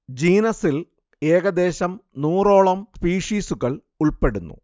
ജീനസിൽ ഏകദേശം നൂറോളം സ്പീഷിസുകൾ ഉൾപ്പെടുന്നു